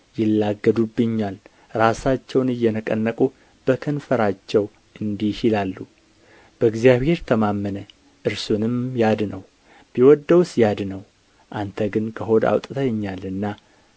ይላገዱብኛል ራሳቸውን እየነቀነቁ በከንፈሮቻቸው እንዲህ ይላሉ በእግዚአብሔር ተማመነ እርሱንም ያድነው ቢወድደውስ ያድነው አንተ ግን ከሆድ አውጥተኸኛልና